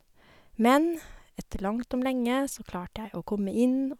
Men etter langt om lenge så klarte jeg å komme inn.